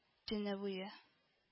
Төне буе…